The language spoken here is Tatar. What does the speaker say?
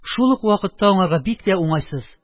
Шул ук вакытта аңарга бик тә уңайсыз: